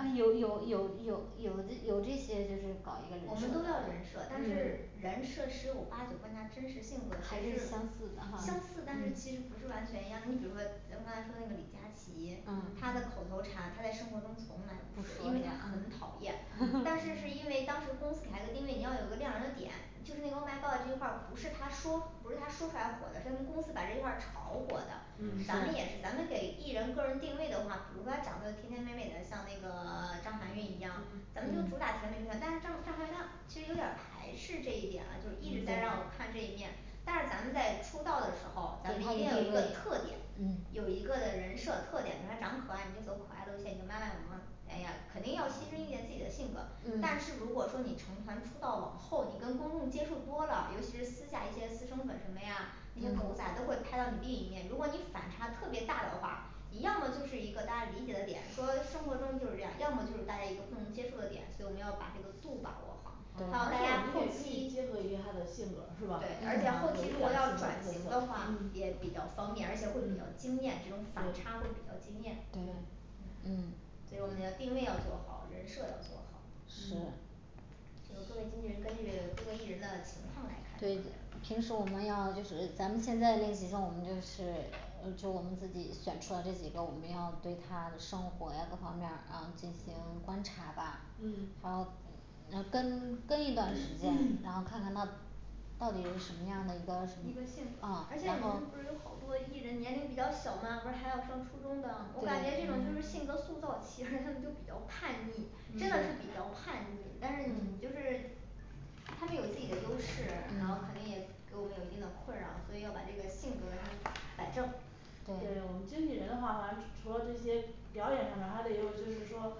嗯有有有有有这有这些就是搞一个我人设们都要人设，但嗯是人设十有八九跟他真实性格还还是，是相似的哈相嗯似，但是其实不是不是完全一样的，你比如说咱们刚才说那个李佳琪嗯嗯他的口头禅，他在生活中从来不不说，说因是为他吧很讨厌，但是是因为当时公司给他一个定位，你要有一个亮人的点就是那个哦买噶这句话儿不是他说不是他说出来火的，是他们公司把这句话儿炒火的嗯咱们也是咱们给艺人个人定位的话，比如说她长得甜甜美美的，像那个 张含韵一样，嗯咱们就主对打甜美平台，但是张张含韵她其实有点儿排斥这一点了，就是一直嗯在让我对看这一面但是咱们在出道的时候，咱们对他有一定要有一一个个定特位点对有一个的人设特点，她长可爱你就走可爱路线，你就卖卖萌哎呀肯定要牺牲一点自己的性格嗯嗯但是如果说你成团出道往后你跟公众接触多了，尤其是私下一些私生粉什么呀那些狗仔对都会拍到你另一面，如果你反差特别大的话你要么就是一个大家理解的点，说生活中就是这样，要么就是大家一个不能接受的点，所以我们要把这个度把握好呃而且我们也还有大家可后期以结合一下他的性格儿是吧对呃而有一嗯且点后儿期如性格果要转型特的色话嗯嗯也比较方便，而且会比较惊艳，这种反对差会比较惊艳对对嗯嗯所以我们要定位要做好，人设要做好是嗯这个各位经纪人根据各个艺人的情况来看就可以对了，平时我们要就是咱们现在练习生我们就是就我们自己选出来这几个，我们要对他的生活呀各方面儿啊然后进行观察吧然嗯后然后跟跟一段时间 ，然后看看他到底是什么样的一个什么一个性格啊而且然后我们，不是有好多艺人年龄比较小嘛，不是还有上初中的，我感觉这对种就是性格塑造期, 他们就比较叛逆，真的是比嗯 较叛逆，但是你就是他们有自己的优势，然后可嗯能也给我们有一定的困扰，所以要把这个性格完成摆正对对我们经纪人的话，反正除除了这些表演上面儿还得有，就是说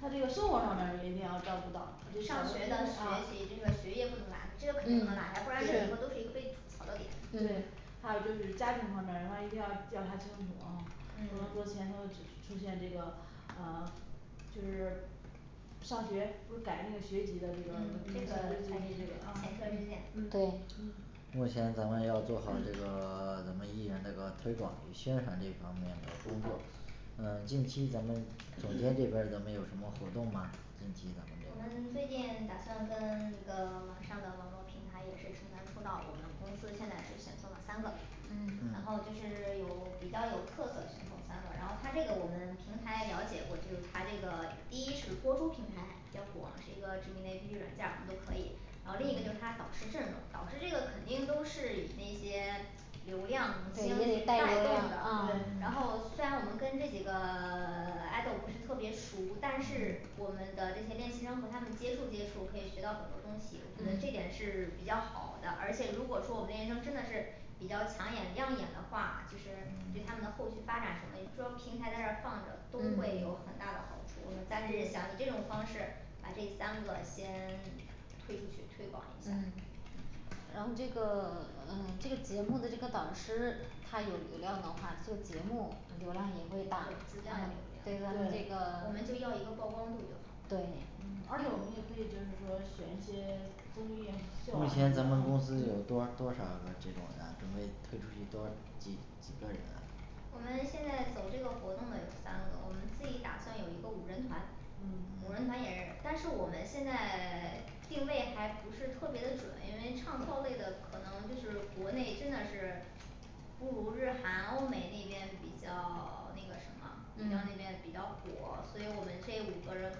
他这个生活上面儿也一定要照顾到上学嗯的学习，这个学业不能落下这个肯定不能落嗯下，不然这对以后都是一个被吐槽的点对还有就是家庭方面儿的话一定要调查清楚啊，不能嗯说前头只出现这个啊 就是上学不是改那个学籍的这个嗯这最近这个个前车嗯之鉴嗯嗯对嗯目前咱们要做好这 个 咱们艺人这个推广宣传这方面的工作呃近期咱们总监这边儿咱们有什么活动吗我们最近打算跟一个网上的网络平台也是成团出道我们公司现在是选送了三个然嗯嗯后就是有比较有特色选种三个，然后他这个我们平台了解过就是他这个第一是播出平台比较广，是一个知名的A P P软件儿，我们都可以，然后另一个就是他导师阵容导师这个肯定都是以那些流量明星去带流动的量啊，对嗯然后虽然我们跟这几个 爱豆不是特别熟，但是嗯我们的这些练习生和他们接触接触可以学到很多东西，我觉得这点是比较好的，而且如果说我们的练习生真的是比较抢眼亮眼的话，就是对嗯他们的后续发展什么说平台在这儿放着都会嗯有很大的好处，我们暂时想以这种方式把这三个先 推出去推广一下嗯然后这个嗯这个节目的这个导师他有流量的话，做节目流量也对会自带大啊对流量咱们那对个我们就要一个曝光度就好对嗯而且我们也可以就是说选一些综艺秀啊目前什咱们么公司有的啊嗯多多少的这种的准备推出去多几几个人啊我们现在走这个活动的有三个，我们自己打算有一个五人团嗯五人嗯团也是，但是我们现在 定位还不是特别的准，因为唱跳类的可能就是国内真的是不如日韩，欧美那边比较 那个什么比较嗯那边比较火，所以我们这五个人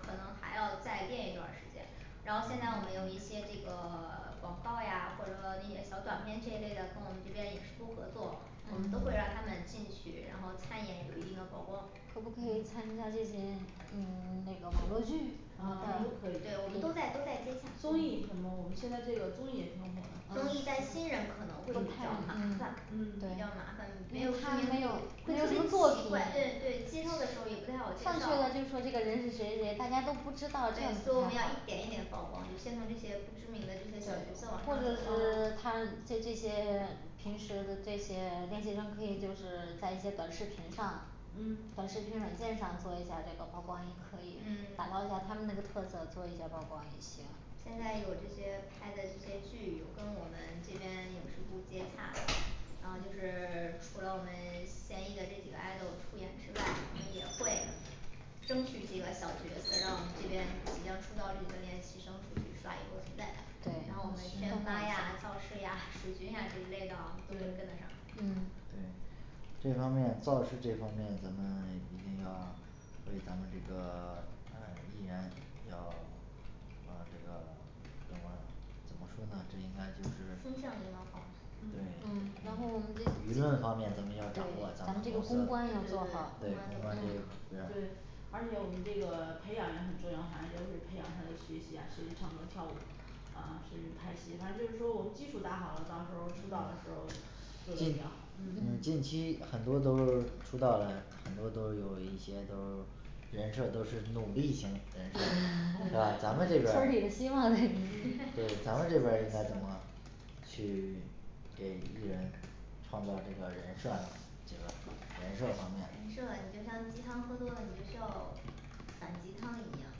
可能还要再练一段儿时间然后现在我们有一些这个 广告呀或者那些小短片这一类的，跟我们这边影视部合作我们都嗯嗯会让他们进去，然后参演有一定的曝光可不可以参加这些嗯 那个网络剧呃都可对我以们都在都在接洽综艺什么我们现在这个综艺也挺火的啊综艺带新人嗯可能会比嗯较麻烦，嗯比较麻烦，对没有知名度会特别奇怪对对介绍的时候也不太好介绍上去了就说这个人是谁谁谁大家都不知对道他所以我们要一点一点地曝光，就先从这些不知名的这些小角色或往者上是 啊走他在这些 平时这些练习生可以就是在一些短视频上嗯短视频软件上做一下这个曝光也可以，嗯打造一下他们那个特色，做一下曝光也行现在有这些拍的这些剧有跟我们这边影视部接洽的。 然后就是 除了我们现役的这几位爱豆出演之外，我们也嗯会争取几个小角色，让我们这边即将出道这几个练习生出去刷一波存在感，然对后我们宣发呀造势呀水军呀 这一类的我们都跟得上。对嗯对这方面造势这方面咱们一定要对咱们这个 嗯艺人要啊这个怎么怎么说呢这应该就是风向应该好嗯对嗯然后我们对舆论方面都这是要掌对握咱咱们们这个公公关司要对做对好公对对公关关这一这啊不是对而且我们这个培养也很重要，反正就是培养他的学习啊学习唱歌儿跳舞啊是拍戏，反正就是说我们基础打好了，到时候儿出道的时候儿做的近比较好嗯嗯近期很多都出道了，很多都有一些都人设都是努力型人设对 是对吧咱们这边村儿儿里的希望那个嗯对咱 们这边儿应该怎么去 给艺人创造这个人设呢这边儿人设方面人设你就像鸡汤喝多了你就需要反鸡汤一样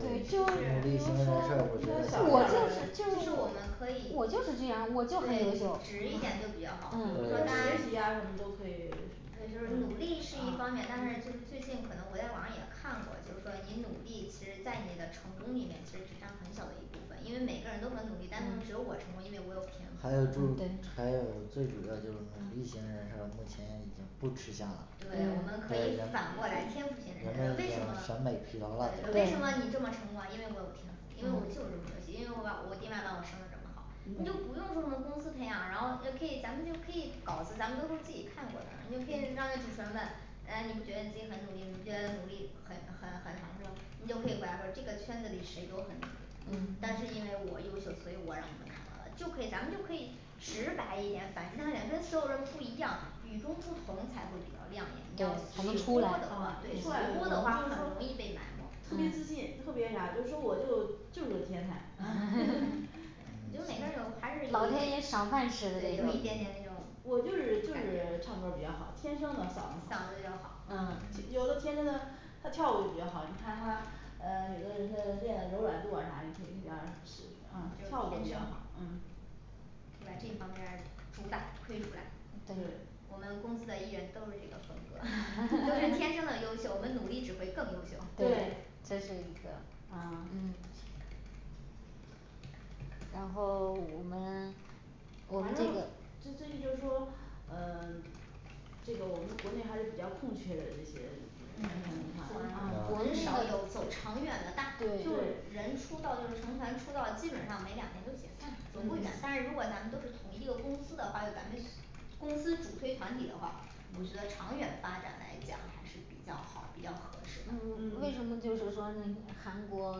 对就是努比力如说型比人较小一点儿设嘞我我觉得就是就是我们可以我就是这样我就很优秀对直一点就比较好，例嗯 比如如嗯说大学对习呀对家什么都可以什对就是么努力是一的方嗯面嗯，但是就是嗯最近可能我在网上也看过，就是说你努力其实在你的成功里面其实只占很小的一部分，因为每个人都很努力，但是说只有我成功，因为我有天赋还有嗯注对还有最主要就是努力型人设目前已经不吃香啦对，我们对可以反过来 天赋型人人生们为已经什么审美疲劳啦感对为什觉对么你这么成功啊因为我有天赋因为我就嗯是，因为我爸我爹妈把我生得这么好，你就嗯不用说什么公司培养，然后又可以咱们就可以稿子，咱们都是自己看过的，你就可以嗯让那主持人问呃你不觉得你自己很努力吗，你不觉得努力很很很什么什么，你就可以回答说这个圈子里谁都很努力嗯但是因为我优秀，所以我让你们看到了就可以咱们就可以直白一点，反正也跟所有人不一样，与众不同才会比较亮眼对是啊一出来我们就是，你要直说的话，直说的话很容说易被埋特没别自嗯信，特别啥，就说我就就是个天才，你 就每个人有还是老天爷赏饭吃的有那对种有一嗯点点那种我就是就是唱歌儿比较好天生的嗓子嗓好子就嗯好嗯有的天生的他跳舞就比较好你看他啊有的人的练柔软度啊啥的你可以叫他试试啊就是天跳生舞比较的好嗯就把这方面儿主打推出来，对我们公司的艺人都是这个风格， 都是天生的优秀，我们努力只会更优秀，对对这是一个嗯嗯然后 我们 我反们这正个这最近就是说嗯 这个我们国内还是比较空缺的，这些男团嗯很嗯女少团有嗯嗯走长远的大都对是对人出道就是成团出道，基本上没两年就解散了走不嗯远，但是如果咱们都是同一个公司的话，有咱们公司主推团体的话我觉得长远发展来讲还是比较好比较合适的。嗯为什嗯么就是说那个韩国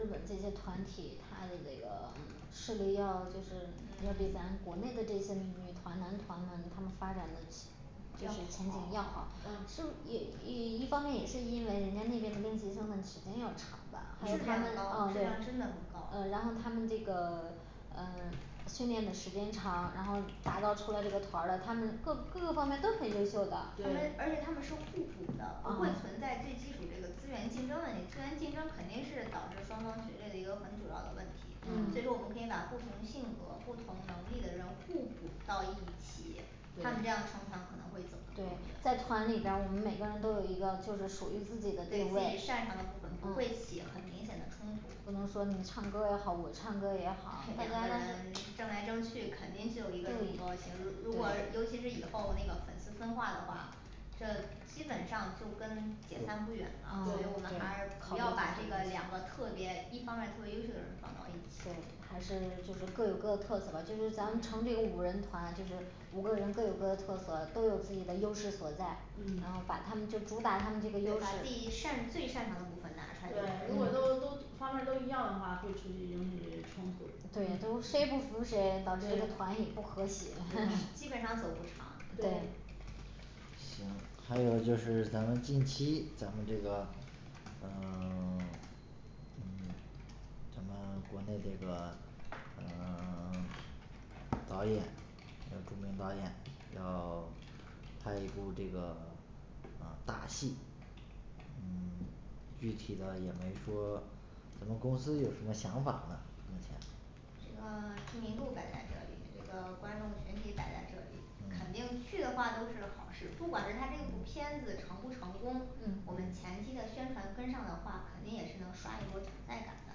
日本这些团体，它的这个势力要就是要嗯比咱国内的这些女团男团们他们发展的就是前景要要好好嗯是也也一方面，也是因为人家那边的练习生们时间要长吧质嗯他量们高嗯质对量真的很高呃然后他们这个呃训练的时间长，然后打造出来这个团儿的他们各各个方面都很优秀的他们对而且他们是互补的，不会嗯存在最基础这个资源竞争问题，资源竞争肯定是导致双方决裂的一个很主要的问题，所以嗯嗯说我们可以把不同性格不同能力的人互补到一起他们这样成对团可能会走的对更远在团里边儿，我们每个人都有一个就是属于自己的对定自位己擅长的部分不会啊起很明显的冲突不能说你唱歌儿也好，我唱歌儿也好两个人争来争去肯定是有一个人不对高兴，如果对尤其是以后那个粉丝分化的话这基本上就跟解散不对远了，所以我对们还是对不要把这个两个特别一方面特别优秀的人放到一起对还是这个各有各的特色吧，就是咱们嗯成这个五人团，就是五个人各有各的特色，都有自己的优势所在，嗯然后把他们就主打，他对们这个优把自己势擅最擅长的部分拿出来对就，可如果以都了都方面儿都一样的话，会持续引起冲突对都是，对嗯谁也不服谁，导致这个对团也不和谐嗯基本上走不长对对行还有就是咱们近期咱们这个呃 嗯 咱们国内这个嗯 导演有著名导演要 拍一部这个 呃打戏嗯 具体的也没说咱们公司有什么想法儿呢目前这个知名度摆在这里，这个观众群体摆在这里肯嗯定去的话都是好事，不管是他这部片子成不成功，嗯我们前期的宣传跟上的话，肯定也是能刷一波存在感的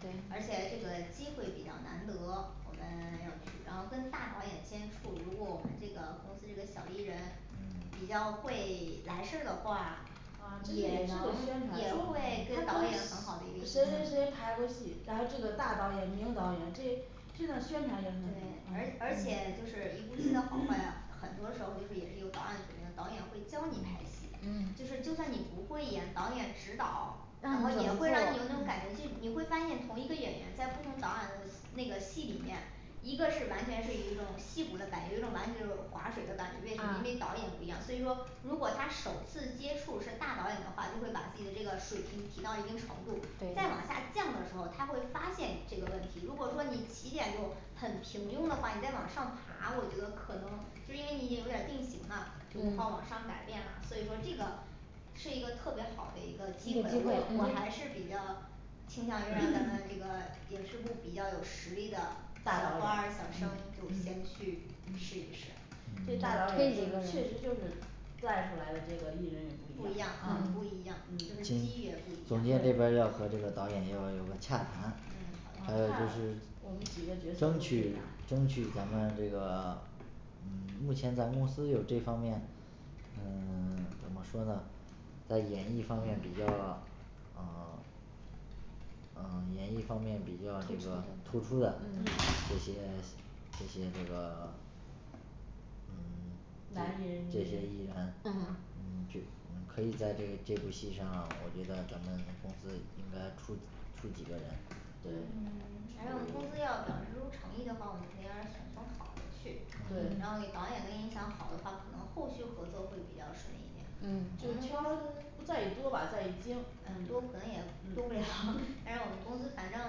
对而且这个机会比较难得，我们要去然后跟大导演接触，如果我们这个公司这个小艺人比嗯较会 来事儿的话呃呃这个也是个宣传，说他跟谁谁也能也会给导演很好的一个印谁象谁拍过戏，然后这个大导演名导演这这段宣传也很什么对啊啊而且就是一部戏的好 坏啊 很多时候就是也是由导演决定导演会教你拍嗯戏，嗯就是就算你不会演导演指导然让后也你会让你有那种感觉这，你会发现同一个演员在不同导演的那个戏里面一个是完全是一种替补的感觉，有一种完全就是滑水的感觉，为什么？因为啊导演不一样，所以说如果他首次接触是大导演的话，就会把自己的这个水平提到一定程度，再往对下降的时候，她会发现这个问题，如果说你起点就很平庸的话，你再往上爬，我觉得可能就因为你也有点儿定型了就不嗯好往上改变了，所以说这个是一个特别好的一个机嗯会，对我我那还是比较倾向于让咱们这 个影视部比较有实力的大小导演嗯花儿嗯嗯小生嗯就嗯先去试嗯一试。这大导演就是确实就是带出来的这个艺人也不不一一样样很呃不一样，就是嗯机遇也不总一样监这边儿对要和这个导演要有个洽谈嗯，好还呃有的就看是我们几个角色都争可以取拿争取咱们这个 嗯目前咱们公司有这方面呃 怎么说呢在演艺方面比较呃 呃演艺方面比较这个突出的突出的这嗯些这些这个嗯 男艺人这女些艺艺人人嗯嗯嗯去我们可以在这这部戏上，我觉得咱们公司应该出出几个人嗯对 反正我们出公司要表示出诚意的话，我们肯定要选从好的去，对然后给导演的印象好的话，可能后续合作会比较顺一点嗯就是挑不在于多吧在于精，嗯嗯多可能也多不了， 但是我们公司反正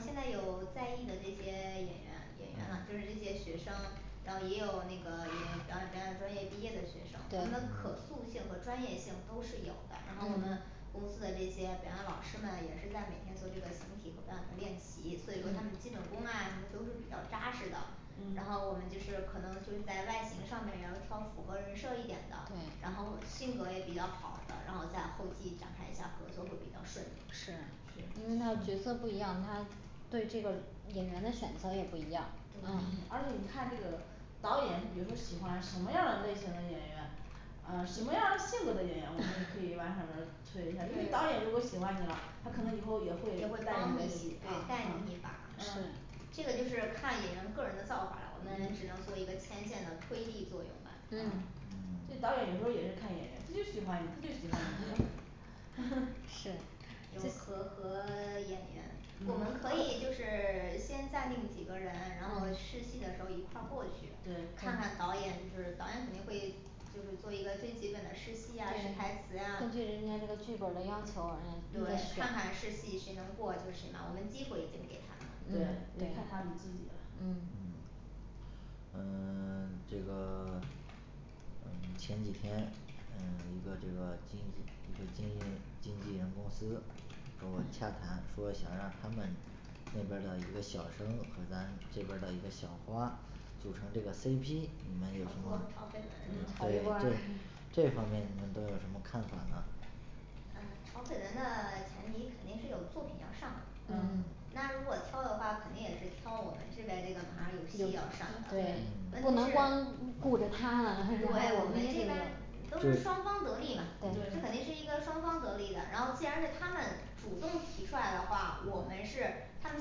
现在有在役的这些演员演员了，就是这些学生然后也有那个语言 表演表演专业毕业的学生，他们的对可塑性和专业性都是有的，然后我嗯嗯们公司的这些表演老师们也是在每天做这个形体和表演的练习，所以说他们嗯基本功啊什么都是比较扎实的然后我们嗯就是可能就是在外形上面要挑符合人设一点的，对然后性格也比较好的，然后在后期展开一下合作会比较顺利是因是为他角色不一样他对这个演员的选择也不一样，嗯对而且你看这个导演比如说喜欢什么样儿的类型的演员呃什么样的性格的演员，我们也 可以往上边儿推一下，因为对导演如果喜欢你了，他可能以后也也会会带帮你你个戏带你一把的是嗯这个就是看演员个人的造化了，我们只嗯能做一个牵线的推力作用吧嗯啊这嗯导演有时候也是看演员他就喜欢你他就喜欢你这样儿 是有和和 演员我们嗯可以就是 先暂定几个人，然后试对戏的时候一块儿过去对看看对导演，就是导演肯定会就是做一个最基本的试戏呀试对台词呀，根据人家这个剧本儿的要求啊对，嗯想看看试戏谁能过就是谁嘛，我们机会已经给他们了对，就看他对们自己了嗯嗯呃 这个 呃前几天嗯一个这个经济就经经纪人公司跟我洽谈，说想让他们那边儿的一个小生和咱这边儿的一个小花组成这个C P你们炒作炒嗯嗯绯闻是吧可以这方面你们都有那些看法呢呃炒绯闻的 前提肯定是有作品要上嘛嗯嗯那如果挑的话肯定也是挑我们这边这个马上有戏要上对的对嗯不能光顾着他了，对，我 们也得当然都是双方得利嘛，这肯对定是一个双方得利的，然后既然是他们嗯对主动提出来的话，我们是他们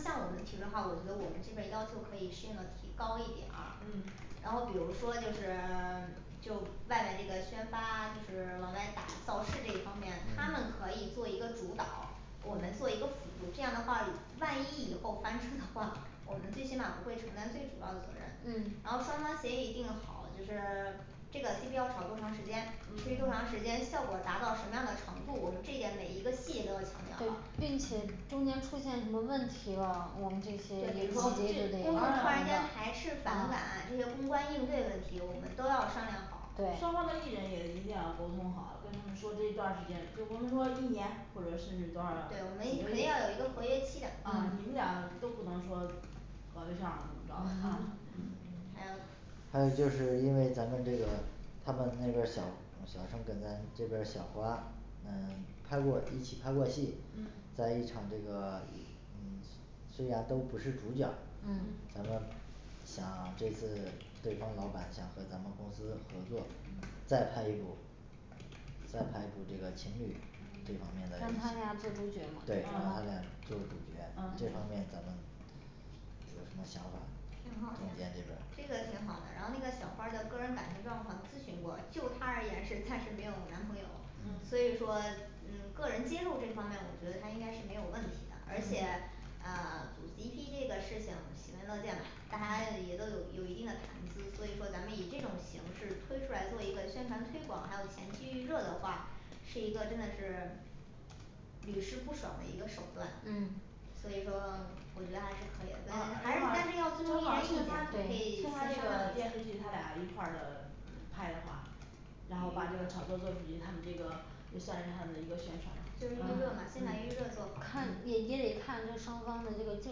向我们提出的话，我觉得我们这边儿要求可以适当的提高一点儿。嗯然后比如说就是 就外面这个宣发就是往外打造势这一方面，嗯他们可以做一个主导我们嗯做一个辅助，这样的话万一以后翻车的话， 我们最起码不会承担最主要的责任。嗯然后双方协议一定好就是 这个C P要炒多长时间，持续多长嗯时间，效果达到什么样的程度，我们这点每一个细节都要强调对好，并且中间出现什么问题了，我们这对比些如说公众突然间排斥反感啊这些公关应对问题，我们都要商量好双对方的艺人也一定要沟通好，跟他们说这段儿时间就我们说一年或者甚至多少对我们一几个肯月，定要有一个合约期的嗯你们嗯俩都不能说搞对象儿了怎么着的啊 嗯还有还有就是因为咱们这个他们那边儿小小生跟咱这边儿小花嗯拍过一起拍过戏嗯在一场这个虽然都不是主角儿嗯嗯咱们想这次对方老板想和咱们公司合作，嗯再拍一部再拍一部这个情侣嗯这方面的让他俩做主角吗对让他嗯俩做主角，嗯这方面咱们有什么想法挺好的总呀监，这边这个儿挺好的，然后那个小花儿的个人感情状况咨询过，就她而言是暂时没有男朋友，嗯所以说嗯个人接受这方面我觉得她应该是没有问题的，而且嗯啊 组C P这个事情喜闻乐见吧，大家也嗯都有有一定的谈资，所以说咱们以这种形式推出来做一个宣传推广，还有前期预热的话是一个真的是屡试不爽的一个手段嗯所以说我觉得还是可以的啊，但然是还是要后尊重正艺人好儿意趁见，我他们趁可对以先商他量这一个电视剧他俩一块下儿的拍的话然后把这个可以炒作做出去，他们这个也算是他的一个宣传吧就是预热嘛先把嗯预热做嗯好，看也嗯也得看这双方的这个接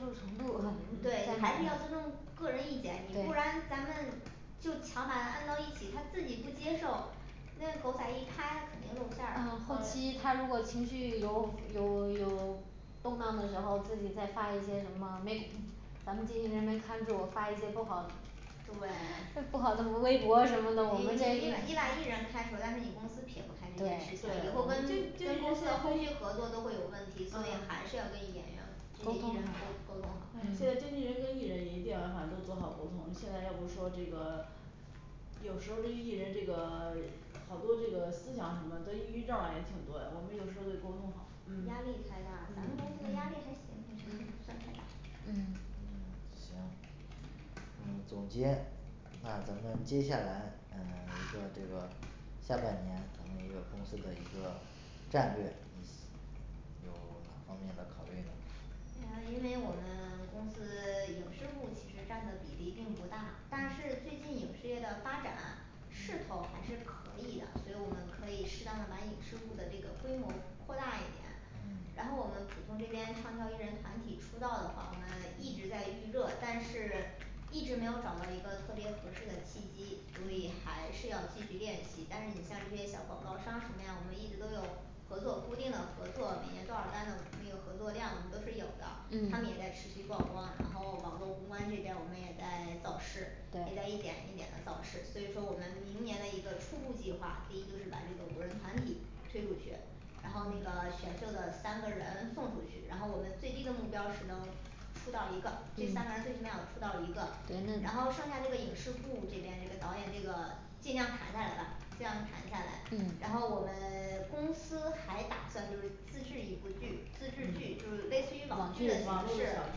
受程度吧 对，嗯还是要尊重个人意见，你不对然咱们就强把他按到一起，他自己不接受那狗仔一拍那肯定露馅儿呃了后呃期他如果情绪有有有动荡的时候，自己再发一些什么，没咱们经纪人没看住，发一些不好对，这不好弄微博什你你把么的我们你把艺人开除，但是你公司撇不开这件事情对以对后，我们跟经经纪人跟公现司的在后续合作都会有问题，所以嗯还是要跟演员这沟些艺通人沟沟通好，现在经纪人跟艺人也一定要反正都做好沟通，现在要不说这个有时候儿这个艺人这个 好多这个思想什么得抑郁症儿啊也挺多的我们有时候儿得沟通好压嗯力太大，咱们公嗯司的压力还行，我觉得不算嗯太大。嗯嗯行嗯总监那咱们接下来嗯 一个这个下半年咱们也有公司的一个战略嗯有哪方面的考虑呢呃因为我们公司影视部其实占的比例并不大，但嗯是最近影视业的发展势头儿还是可以的，所以我们可以适当的把影视部的这个规模扩大一点。嗯然后我们普通这边唱跳艺人团体出道的话，我们一直在预热，但是一直没有找到一个特别合适的契机，所以还是要继续练习，但是你像这些小广告商什么呀我们一直都有合作固定的合作，每年多少单的那个合作量我们都是有的，他嗯们也在持续曝光，然后网络公关这边儿我们也在造势也在对一点一点的造势，所以说我们明年的一个初步计划，第一就是把这个五人团体推出去然后那个选秀的三个人送出去，然后我们最低的目标是能出道一个这嗯三个人最起码要出道一个，然后剩下这个影视部儿这边这个导演这个尽量谈下来吧，尽量谈下来，然后我们嗯 公司还打算就是自制一部剧，自制剧嗯就是类似于网网网剧络剧的的形小剧式啊，